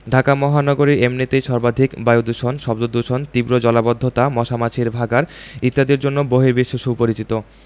ঢাকা মহানগরী এমনিতেই সর্বাধিক বায়ুদূষণ শব্দদূষণ তীব্র জলাবদ্ধতা মশা মাছির ভাঁগাড় ইত্যাদির জন্য বহির্বিশ্বে সুপরিচিত